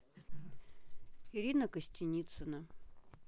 ирина костеницина